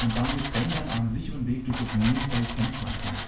dann mit Bändern einen sicheren Weg durch das Minenfeld kennzeichnen